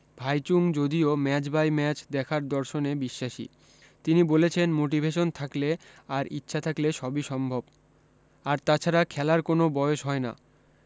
ভাইচুং যদিও match by match দেখার দর্শনে বিশ্বাসী তিনি বলেছেন মোটিভেশান থাকলে আর ইচ্ছা থাকলে সবি সম্ভব আর তাছাড়া খেলার কোনও বয়স হয় না